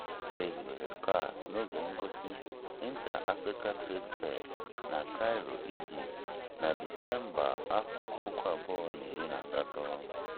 E hiwere CAX n'oge ngosi Intra Africa Trade Fair na Cairo, Egypt, na Disemba 2018.